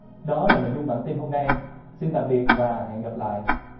đó là nội dung bản tin hôm nay xin tạm biệt và hẹn gặp lại